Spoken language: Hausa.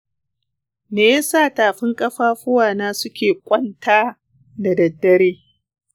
me yasa tafin ƙafafuwa na suke ƙwanta da daddare?